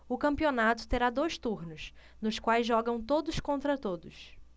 o campeonato terá dois turnos nos quais jogam todos contra todos